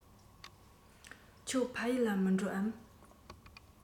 ཁྱོད ཕ ཡུལ ལ མི འགྲོ འམ